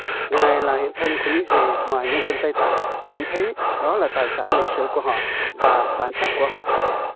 ngài là hiện thân của những gì mà nhân dân tây tạng cảm thấy đó là tài sản lịch sử của họ và bản sắc của họ